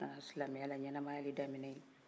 u ye silamɛya la yanama ya de daminɛ ye